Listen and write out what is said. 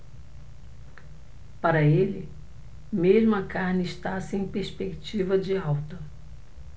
para ele mesmo a carne está sem perspectiva de alta